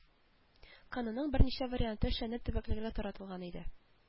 Канунның берничә варианты эшләнеп төбәкләргә таратылган иде